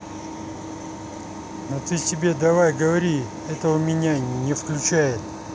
ну ты у себя давай говори это у меня не включает